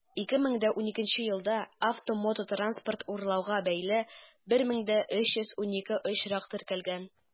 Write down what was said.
2012 елда автомототранспорт урлауга бәйле 1312 очрак теркәлгән.